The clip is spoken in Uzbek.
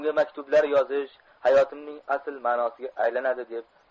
unga maktublar yozish hayotimning asl manosiga aylanadi deb